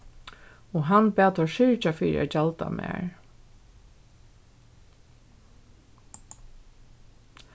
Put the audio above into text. og hann bað teir syrgja fyri at gjalda mær